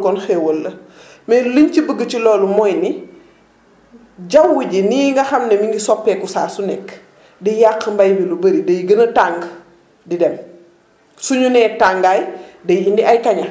donc xam nga ni loolu kon xéwal la mais luñ ci bëgg ci loolu mooy ni jaww ji nii nga xam ni mu ngi soppeeku saa su nekk di yàq mbay mi lu bëri day gën a tàng di dem suñu nee tàngaay day indi ay kaña